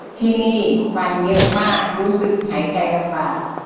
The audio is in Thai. ที่นี่ควันเยอะมากรู้สึกหายใจลำบาก